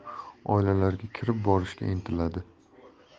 xavfi bor oilalarga kirib borishga intiladi